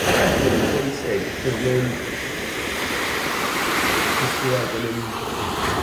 I recon ma' nw'n bwysig 'c'os ma' nw'n... 'C'os chi wedyn yn